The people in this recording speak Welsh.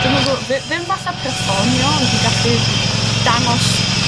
dwi'm yn gor'o' ddi- ddim fatha perfformio ond dwi'n gallu dangos